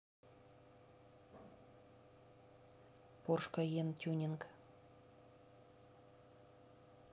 порш кайен тюнинг